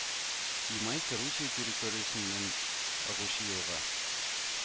Имайка Русия территориясеннән агучы елга